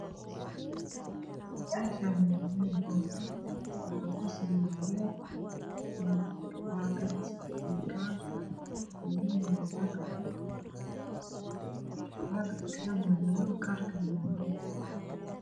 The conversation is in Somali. Meeshaan waa meel boor ah waxaa kusawiran leyr, baakad, kaar iyo dhago. Baakadka waa madow, dhaguhuna waa madow.